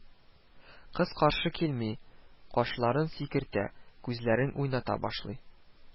Кыз каршы килми, кашларын сикертә, күзләрен уйната башлый